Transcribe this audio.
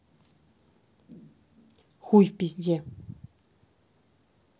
хуй в пизде